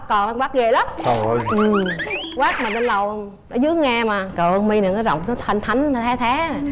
con nó quát ghê lắm ừm quát mà trên lầu ở dưới cũng nghe mà trời ơi con mi này nó giọng thanh thánh the thé